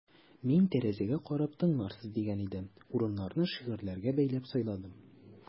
Мин тәрәзәгә карап тыңларсыз дигән идем: урыннарны шигырьләргә бәйләп сайладым.